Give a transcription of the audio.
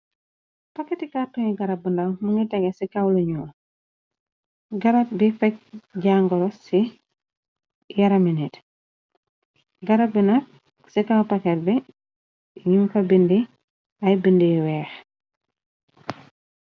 Pakati kàrtongi garabu ndaw munu tege ci kaw luñu. Garab bi faj jangoro ci yaraminit. Garab bina ci kaw pakat bi nuñ fa bindi ay bindiy weex.